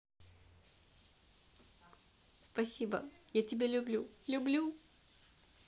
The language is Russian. спасибо я тебя люблю люблю